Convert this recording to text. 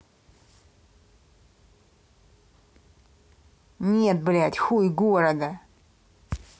нет блядь хуй города